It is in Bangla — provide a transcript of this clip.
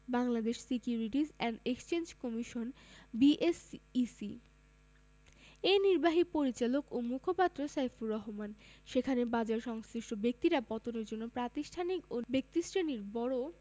Bangladesh securities and exchange commission BSEC এর নির্বাহী পরিচালক ও মুখপাত্র সাইফুর রহমান সেখানে বাজারসংশ্লিষ্ট ব্যক্তিরা পতনের জন্য প্রাতিষ্ঠানিক ও ব্যক্তিশ্রেণির বড়